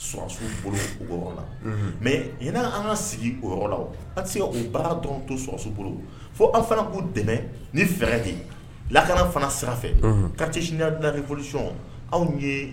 Sɔ bolo mɛ ɲin an ka sigi o yɔrɔ la se o baaratɔn to sɔwaso bolo fo aw fana k' dɛmɛ ni fɛɛrɛ de lakana fana sira ka siniya dilanolisɔn anw ye